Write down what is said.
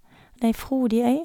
Det er ei frodig øy.